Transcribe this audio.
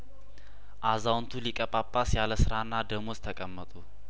አዛውንቱ ሊቀ ጳጳስ ያለስራና ደመወዝ ተቀመጡ